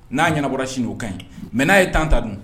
N'a ɲɛna bɔra sin'o kan ɲi mɛ n'a ye tan ta dun